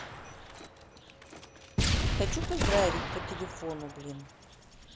хочу поздравить по телефону блин